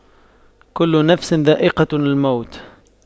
كُلُّ نَفسٍ ذَائِقَةُ المَوتِ